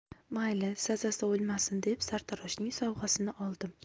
mayli sazasi o'lmasin deb sartaroshning sovg'asini oldim